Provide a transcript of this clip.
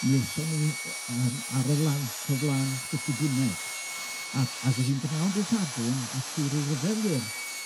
Mi aethon ni o- yym ar y lawnt o fla'n sbyty Gwynedd a ac o'dd 'i'n brynawn dy Sadwrn, a thrw ryw ryfedd wyrth,